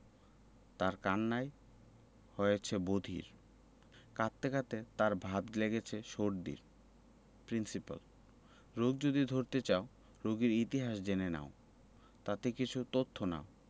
তার কান্নায় হয়েছি বধির কাঁদতে কাঁদতে তার ভাব লেগেছে সর্দির প্রিন্সিপাল রোগ যদি ধরতে চাও রোগীর ইতিহাস জেনে নাও তাতে কিছু তথ্য নাও